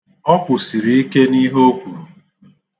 Ọ kwụsiri ike n'ihe o kwuru.